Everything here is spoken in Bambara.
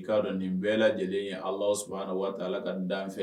I k'a dɔn nin bɛɛ lajɛlen ye ala waati ala ka dan fɛ